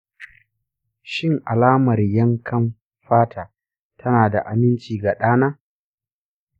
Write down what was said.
shin alamar yankan fata tana da aminci ga ɗa na?